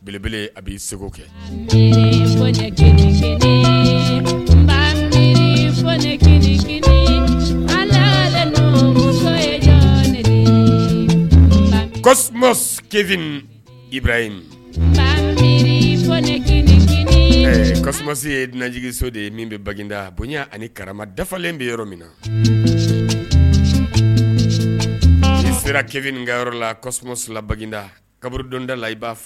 I se yejiginso de ye min bɛ bada bonya ani kara dafalen bɛ yɔrɔ min na i serav ka yɔrɔ la sira bada kab dɔn da la i b'a